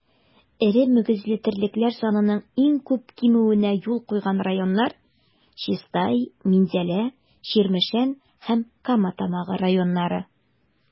Эре мөгезле терлекләр санының иң күп кимүенә юл куйган районнар - Чистай, Минзәлә, Чирмешән һәм Кама Тамагы районнары.